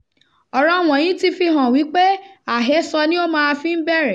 Ọ̀ràn wọ̀nyí ti fi hàn wípé àhesọ ni ó máa fi ń bẹ̀rẹ̀ .